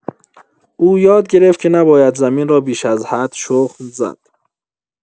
او یاد گرفت که نباید زمین را بیش از حد شخم زد.